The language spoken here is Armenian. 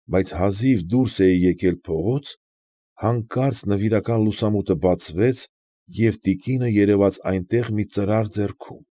Բայց հազիվ դուրս էի եկել փողոց, հանկարծ նվիրական լուսամուտը բացվեց, և տիկինը երևաց այնտեղ մի ծրար ձեռում։